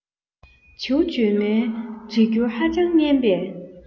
བྱིའུ འཇོལ མོའི གྲེ འགྱུར ཧ ཅང སྙན པས